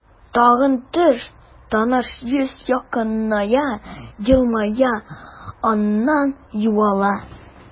Тагын төш, таныш йөз якыная, елмая, аннан югала.